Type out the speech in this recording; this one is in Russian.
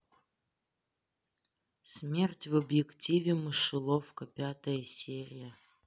смерть в объективе мышеловка пятая серия